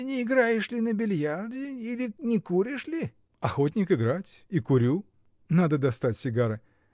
— Не играешь ли на бильярде или не куришь ли? — Охотник играть и курю. Надо достать сигары.